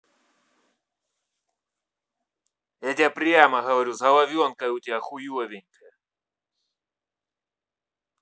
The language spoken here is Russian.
я тебе прямо говорю с головенкой у тебя хуевенькая